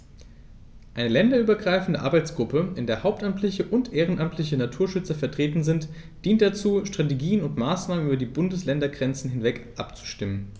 Eine länderübergreifende Arbeitsgruppe, in der hauptamtliche und ehrenamtliche Naturschützer vertreten sind, dient dazu, Strategien und Maßnahmen über die Bundesländergrenzen hinweg abzustimmen.